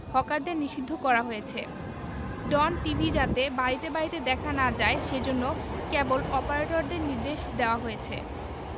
হকারদের নিষিদ্ধ করা হয়েছে ডন টিভি যাতে বাড়িতে বাড়িতে দেখা না যায় সেজন্যে কেবল অপারেটরদের নির্দেশ দেওয়া হয়েছে